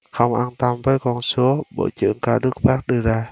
không an tâm với con số bộ trưởng cao đức phát đưa ra